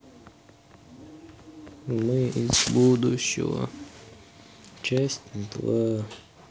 мы из будущего часть два